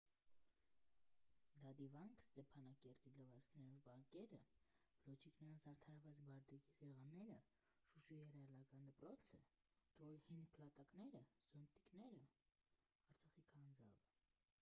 Դադիվա՞նքը, Ստեփանակերտի լվացքներով բակե՞րը, Բլոջիկներով զարդարված Բարդակի սեղաննե՞րը, Շուշիի ռեալական դպրո՞ցը, Տողի հին փլատակնե՞րը, Զոնտիկնե՞րը, Ազոխի քարանձա՞վը…